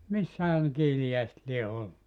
missähän ne kiiliäiset lie ollut